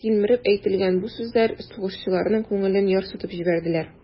Тилмереп әйтелгән бу сүзләр сугышчыларның күңелен ярсытып җибәрделәр.